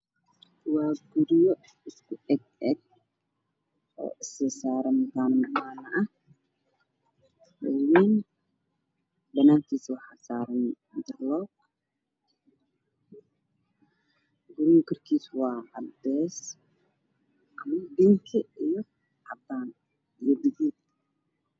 Oo guryo isku-eg oo saar saaran guriga uu koreeyo waxaa saaran nin wata shaati madow ah wuxuuna sameynayaa gurigaas isaga naftirkiisa